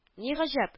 Ни гаҗәп